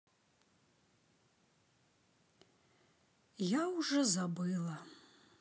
я уже забыла